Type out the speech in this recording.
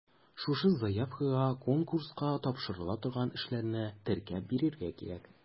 Шушы заявкага конкурска тапшырыла торган эшләрне теркәп бирергә кирәк.